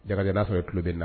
Jalakɛ n'a sɔrɔ tulo bɛ na